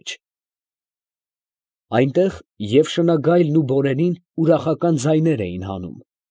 Մեջ։ Այնտեղ և շնագայլն ու բորենին ուրախական ձայներ էին հանում։